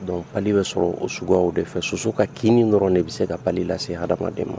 Dɔn bɛ sɔrɔ o sugu de fɛ soso ka'iinin dɔrɔn de bɛ se ka lase hadamaden ma